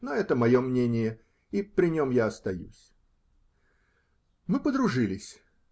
Но это -- мое мнение, и при нем я остаюсь. Мы подружились.